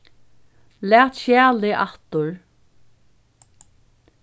lat skjalið aftur